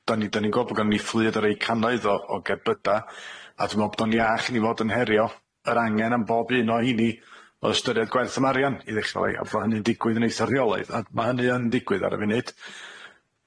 Da ni da ni'n gwbo bo' gynnon ni fflydd o rei cannoedd o o gerbyda, a dwi me'wl bod o'n iach i fod yn herio yr angen am bob un o hini o ystyried gwerth ymarian i ddechrau fo'i a ma' hynny'n digwydd yn eitha rheolaidd a ma' hynny yn digwydd ar y funud.